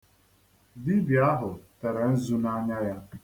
Dibịa ahụ tere nzu n'anya ya.